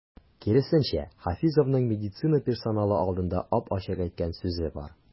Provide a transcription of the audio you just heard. Киресенчә, Хафизовның медицина персоналы алдында ап-ачык әйткән сүзе бар.